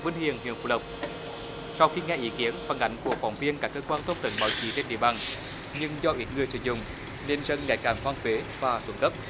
vinh hiền huyện phú lộc sau khi nghe ý kiến phản ánh của phóng viên các cơ quan thông tấn báo chí trên địa bàn nhưng do ít người sử dụng nên sân ngày càng hoang phế và xuống cấp